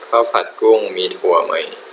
ข้าวผัดกุ้งมีถั่วไหม